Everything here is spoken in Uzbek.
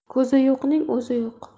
ko'zi yo'qning o'zi yo'q